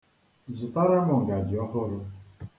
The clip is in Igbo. Zụtara m ngaji ọhụrụ.